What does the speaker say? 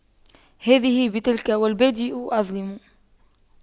هذه بتلك والبادئ أظلم